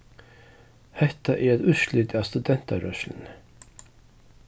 hetta er eitt úrslit av studentarørsluni